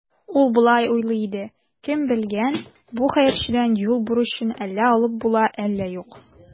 Ул болай уйлый иде: «Кем белгән, бу хәерчедән ул бурычны әллә алып була, әллә юк".